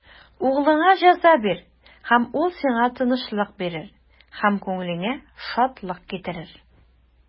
Углыңа җәза бир, һәм ул сиңа тынычлык бирер, һәм күңелеңә шатлык китерер.